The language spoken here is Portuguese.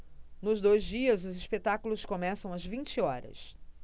nos dois dias os espetáculos começam às vinte horas